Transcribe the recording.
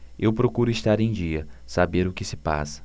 eu procuro estar em dia saber o que se passa